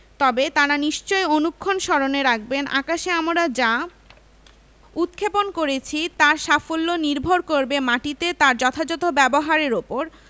তবে তাঁরা নিশ্চয় অনুক্ষণ স্মরণে রাখবেন আকাশে আমরা যা উৎক্ষেপণ করেছি তার সাফল্য নির্ভর করবে মাটিতে তার যথাযথ ব্যবহারের ওপর